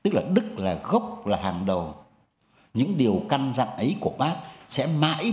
tức là đức là gốc là hàng đầu những điều căn dặn ấy của bác sẽ mãi